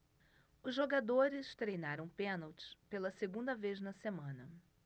os jogadores treinaram pênaltis pela segunda vez na semana